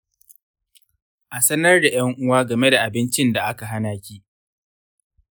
a sanar da ‘yan uwa game da abincin da aka hana ki.